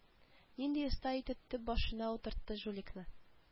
Нинди оста итеп төп башына утыртты жуликны